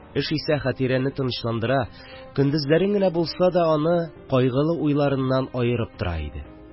Эш исә Хәтирәне тынычландыра, көндезләрен генә булса да аны кайгылы уйларыннан аерып тора иде.